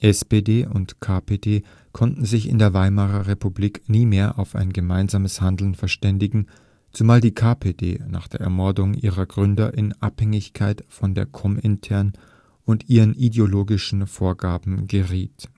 SPD und KPD konnten sich in der Weimarer Republik nie mehr auf ein gemeinsames Handeln verständigen, zumal die KPD nach der Ermordung ihrer Gründer in Abhängigkeit von der Komintern und ihren ideologischen Vorgaben geriet.